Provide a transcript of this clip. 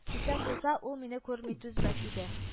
— исән булса, ул мине күрми түзмәс иде